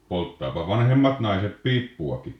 polttaapa vanhemmat naiset piippuakin